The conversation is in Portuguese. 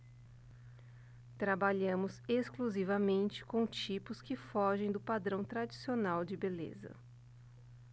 trabalhamos exclusivamente com tipos que fogem do padrão tradicional de beleza